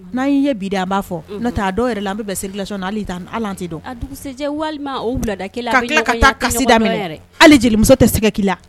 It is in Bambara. N'a ɲɛ bi da an b'a fɔ n taa dɔw yɛrɛ la an bɛ bɛn selila ala walima bilada ale jelimuso tɛ sɛgɛ la